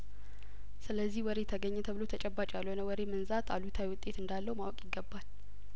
ስለዚህ ወሬ ተገኘ ተብሎ ተጨባጭ ያልሆነ ወሬ መንዛት አሉታዊ ውጤት እንዳለው ማወቅ ይገባል